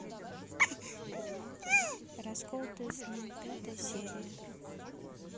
расколотые сны пятая серия